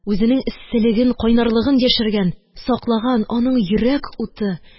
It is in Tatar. Үзенең эсселеген, кайнарлыгын яшергән, саклаган аның йөрәк уты